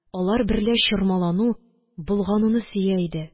Алар берлә чормалану, болгануны сөя иде.